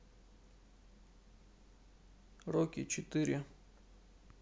рокки четыре